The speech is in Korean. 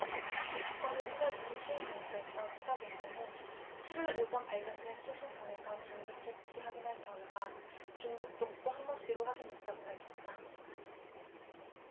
이 사건을 수사 중인 시흥경찰서 수사본부는 칠 일 오전 발견된 시신 손에서 지문을 채취 확인한 결과 중국 동포 한모씨로 확인됐다고 밝혔다